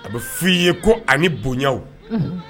A bɛ f fɔ i ye ko ani bonyaw